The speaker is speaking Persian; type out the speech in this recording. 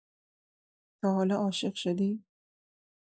تا حالا عاشق شدی؟